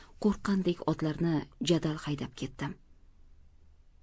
qo'rqqandek otlarni jadal haydab ketdim